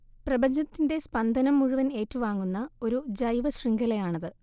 പ്രപഞ്ചത്തിന്റെ സ്പന്ദനം മുഴുവൻ ഏറ്റുവാങ്ങുന്ന ഒരു ജൈവശൃംഖലയാണത്